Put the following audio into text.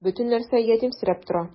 Бөтен нәрсә ятимсерәп тора.